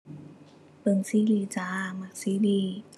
เบิ่งซีรีส์จ้า มักซีรีส์